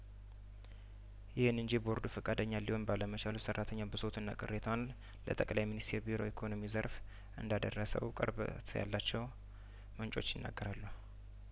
ይሄን እንጂ ቦርዱ ፈቃደኛ ሊሆን ባለመቻሉ ሰራተኛው ብሶ ቱንና ቅሬታውን ለጠቅላይ ሚኒስቴር ቢሮ የኢኮኖሚ ዘርፍ እንዳደረሰው ቅርበት ያላቸው ምንጮች ይናገራሉ